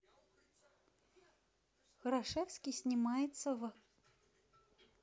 хорошевский снимается в